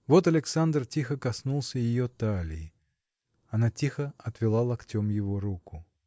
Вот Александр тихо коснулся ее талии. Она тихо отвела локтем его руку.